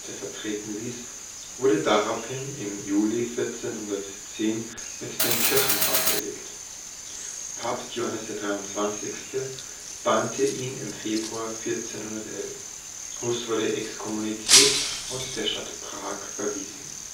vertreten ließ, wurde daraufhin im Juli 1410 mit dem Kirchenbann belegt. Papst Johannes XXIII. bannte ihn im Februar 1411. Hus wurde exkommuniziert und der Stadt Prag verwiesen